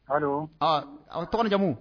Hali aa a bɛ tɔgɔ jamumu